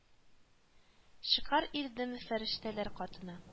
Чыкар ирдем фәрештәләр катына